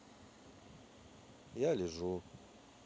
я лежу